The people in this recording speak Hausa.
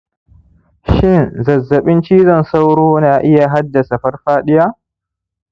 shin zazzaɓin cizon sauro na iya haddasa farfaɗiya